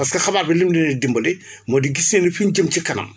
parce que xabaar bi ni mu leen di dimbali moo di séenu fi ñu jëm ca kanam